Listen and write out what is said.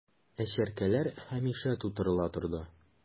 Ә чәркәләр һәмишә тутырыла торды...